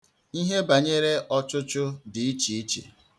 Ihe banyere ọchụchụ dị ichiiche